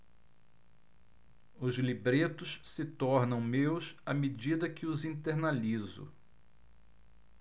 os libretos se tornam meus à medida que os internalizo